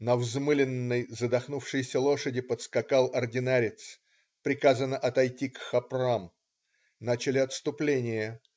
На взмыленной, задохнувшейся лошади подскакал ординарец: приказано отойти к Хопрам. Начали отступление.